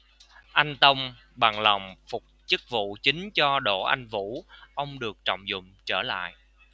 anh tông bằng lòng phục chức phụ chính cho đỗ anh vũ ông được trọng dụng trở lại